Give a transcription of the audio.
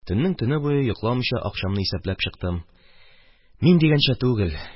Төннең төн буе йокламыйча, акчамны исәпләп чыктым, – мин дигәнчә түгел.